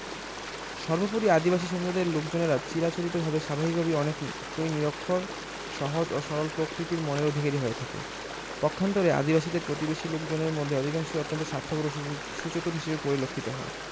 সর্বপরি আদিবাসী সম্প্রদায়ের লোকজনেরা চিরাচরিতভাবে স্বাভাবিকভাবে অনেকেই নিরক্ষর সহজ ও সরল প্রকৃতির মনের অধিকারী হয়ে থাকে পক্ষান্তরে আদিবাসীদের প্রতিবেশী লোকজনদের মধ্যে অধিকাংশই অত্যন্ত স্বার্থপর ও সুচতুর হিসেবে পরিলক্ষিত হয়